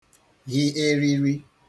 hị eriri